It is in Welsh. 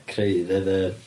...creu dead air.